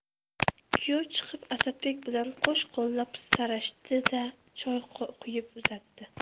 kuyov chiqib asadbek bilan qo'sh qo'llab so'rashdi da choy quyib uzatdi